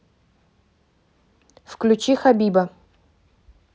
включи хабиба